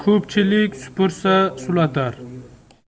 ko'pchilik supursa sulatar